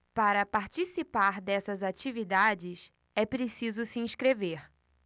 para participar dessas atividades é preciso se inscrever